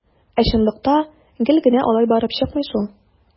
Ә чынлыкта гел генә алай барып чыкмый шул.